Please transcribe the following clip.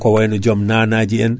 ko wayno joom nanaji en